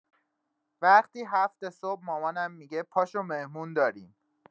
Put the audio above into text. وقتی هفت صبح مامانم می‌گه پاشو مهمون داریم